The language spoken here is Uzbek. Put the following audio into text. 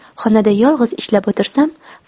xonada yolg'iz ishlab o'tirsam